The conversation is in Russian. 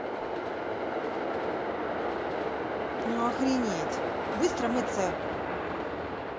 охренеть быстро мыться